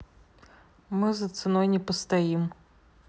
мы за ценой не постоим